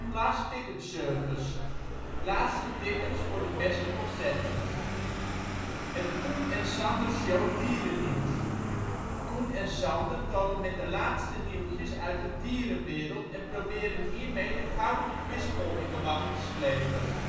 Last-Ticket-Service (laatste tickets voor de beste concerten) Het Coen en Sander Show dierennieuws (Coen en Sander komen met de laatste nieuwtjes uit de dierenwereld, en proberen hiermee de gouden kwispel in de wacht te slepen